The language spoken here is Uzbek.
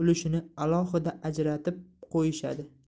ulushini alohida ajratib qo'yishadi